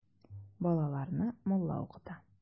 Балаларны мулла укыта.